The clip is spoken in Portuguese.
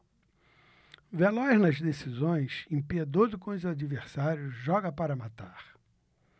veloz nas decisões impiedoso com os adversários joga para matar